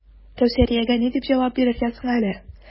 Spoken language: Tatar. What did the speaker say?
Кәүсәриягә ни дип җавап бирергә соң әле?